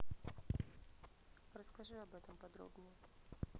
расскажи об этом подробнее